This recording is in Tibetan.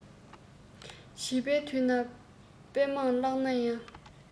བྱིས པའི དུས ནས དཔེ མང བཀླགས ན ཡང